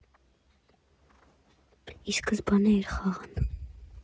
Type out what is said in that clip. Ի սկզբանե էր խաղն։